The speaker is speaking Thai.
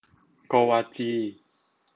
โกวาจี